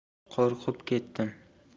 qo'rqib ketdim